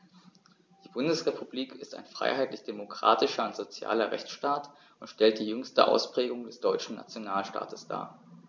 Die Bundesrepublik ist ein freiheitlich-demokratischer und sozialer Rechtsstaat[9] und stellt die jüngste Ausprägung des deutschen Nationalstaates dar.